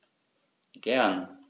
Gern.